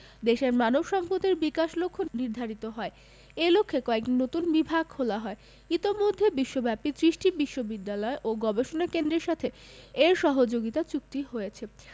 দেশের মানব সম্পদের বিকাশের লক্ষ্য নির্ধারিত হয় এ লক্ষ্যে কয়েকটি নতুন বিভাগ খোলা হয় ইতোমধ্যে বিশ্বব্যাপী ত্রিশটি বিশ্ববিদ্যালয় ও গবেষণা কেন্দ্রের সাথে এর সহযোগিতা চুক্তি হয়েছে